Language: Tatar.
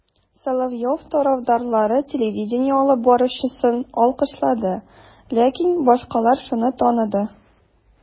Соловьев тарафдарлары телевидение алып баручысын алкышлады, ләкин башкалар шуны таныды: